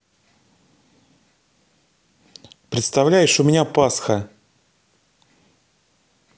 представляешь у меня пасха